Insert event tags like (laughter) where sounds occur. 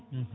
(hesitation) (hesitation)